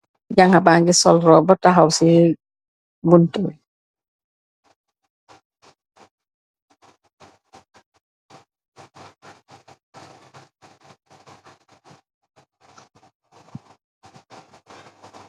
Janxa ba ngi sol rubu taxaw ci bunti bi.